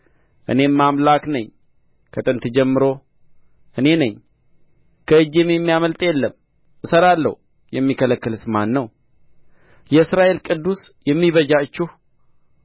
እኔም አምላክ ነኝ ከጥንት ጀምሮ እኔ ነኝ ከእጄም የሚያመልጥ የለም እሠራለሁ የሚከለክልስ ማን ነው የእስራኤል ቅዱስ የሚቤዣችሁ